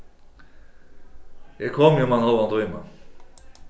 eg komi um ein hálvan tíma